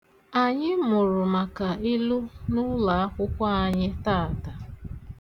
Anyị mụrụ maka ilu n'ụlọakwụkwọ anyị taata.